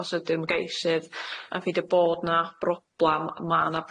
os ydyw'n geisydd yn ffeidio bod 'na broblam ma' 'na